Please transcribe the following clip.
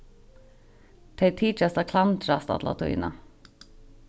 tey tykjast at klandrast alla tíðina